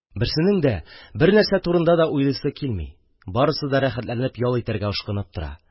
Берсенең дә бернәрсә турында да уйлыйсы килми, барысы да рәхәтләнеп ял итәргә ашкынып тора.